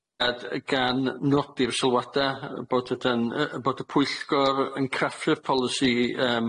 a d- gan nodi'r sylwada yy bod ydan yy bod y pwyllgor yn craffu'r polisi yym